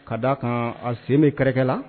Ka d'a kan a sen bɛ kɛrɛkɛ la